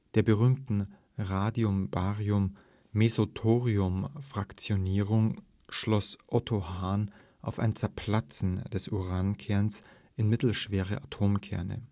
der berühmten „ Radium-Barium-Mesothorium-Fraktionierung “– schloss Otto Hahn auf ein „ Zerplatzen “des Urankerns in mittelschwere Atomkerne